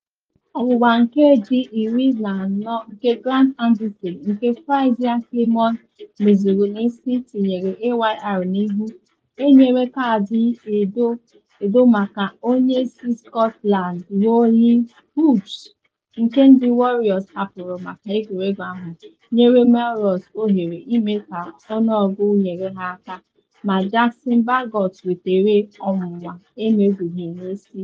Ọnwụnwa nkeji 14 nke Grant Anderson, nke Frazier Climo mezuru n’isi, tinyere Ayr n’ihu, enyere kaadị edo-edo maka onye isi Scotland Rory Hughes, nke ndị Warriors hapụrụ maka egwuregwu ahụ, nyere Melrose ohere ịme ka ọnụọgụ nyere ha aka, ma Jason Baggot nwetere ọnwụnwa emezughi n’isi.